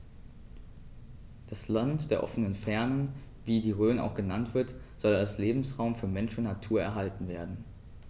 Das „Land der offenen Fernen“, wie die Rhön auch genannt wird, soll als Lebensraum für Mensch und Natur erhalten werden.